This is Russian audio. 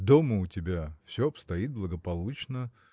Дома у тебя все обстоит благополучно